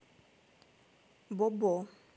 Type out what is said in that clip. бо бо